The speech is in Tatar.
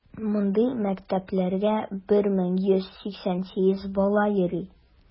Мондый мәктәпләргә 1188 бала йөри.